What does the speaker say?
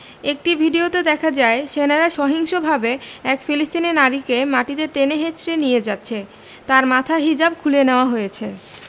একটি ভিডিওতে দেখা যায় সেনারা সহিংসভাবে এক ফিলিস্তিনি নারীকে মাটিতে টেনে হেঁচড়ে নিয়ে যাচ্ছে তার মাথার হিজাব খুলে নেওয়া হয়েছে